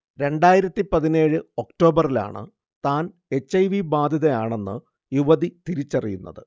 രണ്ടായിരത്തിപ്പതിനേഴ് ഒക്ടോബറിലാണ് താൻ H. I. V ബാധിതയാണെന്ന് യുവതി തിരിച്ചറിയുന്നത്